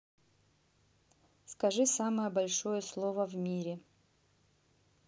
скажи самое большое слово в мире